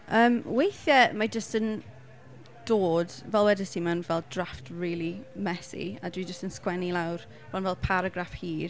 yym weithiau mae jyst yn dod fel wedaist ti mae fe'n fel drafft rili messy a dwi jyst yn ysgrifennu lawr, mewn fel paragraff hir.